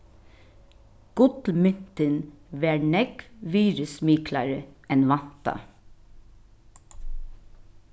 gullmyntin var nógv virðismiklari enn væntað